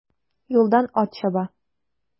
Юлдан ат чаба.